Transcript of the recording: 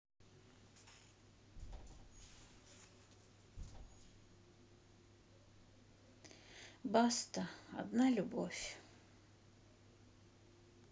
баста одна любовь